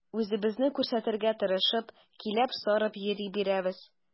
Үзебезне күрсәтергә тырышып, киләп-сарып йөри бирәбез.